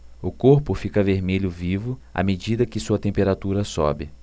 o corpo fica vermelho vivo à medida que sua temperatura sobe